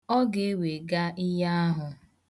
Ọ ga-ewega ya ihe ahụ